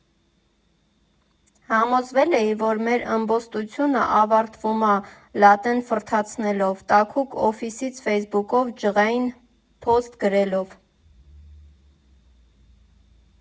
Համոզվել էի, որ մեր ըմբոստությունը ավարտվում ա լատտեն ֆռթացնելով, տաքուկ օֆիսից ֆեյսբուքում ջղային պոստ գրելով։